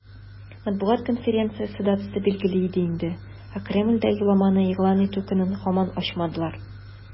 Матбугат конференциясе датасы билгеле иде инде, ә Кремльдә юлламаны игълан итү көнен һаман ачмадылар.